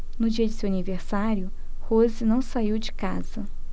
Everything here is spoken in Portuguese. no dia de seu aniversário rose não saiu de casa